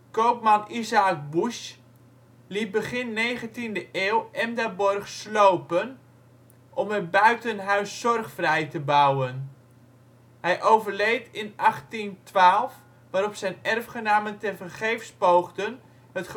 Koopman Izaäk Busch liet begin 19e eeuw Emdaborg slopen om er buitenhuis Zorgvrij te bouwen. Hij overleed in 1812, waarop zijn erfgenamen tevergeefs poogden het